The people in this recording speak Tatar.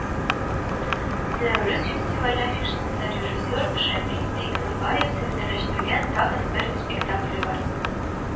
“нәүрүз” фестивале афишасында режиссер шамил дыйканбаев сәхнәләштергән тагын бер спектакле бар